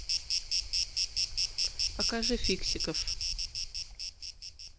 покажи фиксиков